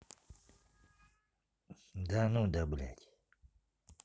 да ну да блять